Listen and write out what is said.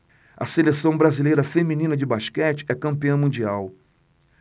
a seleção brasileira feminina de basquete é campeã mundial